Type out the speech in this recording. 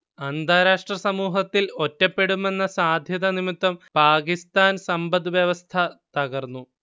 അന്താരാഷ്ട്ര സമൂഹത്തിൽ ഒറ്റപ്പെടുമെന്ന സാധ്യത നിമിത്തം പാകിസ്താൻ സമ്പദ് വ്യവസ്ഥ തകർന്നു